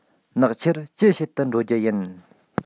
ནག ཆུར ཅི བྱེད དུ འགྲོ རྒྱུ ཡིན